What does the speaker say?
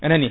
anani